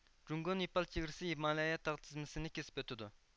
جۇڭگو نېپال چېگرىسى ھىمالايا تاغ تىزمىسىنى كېسىپ ئۆتىدۇ